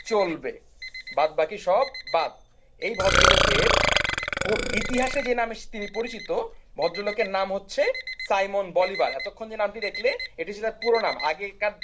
চলবে বাদ বাকি সব বাদ এই ভদ্রলোকের ইতিহাসে তিনি যে নাম এর সাথে পরিচিত ভদ্রলোকের নাম হচ্ছে সাইমন বলিভার এতক্ষণ যে নামটি দেখলে এটি ছিল তার পুরো নাম আগেকার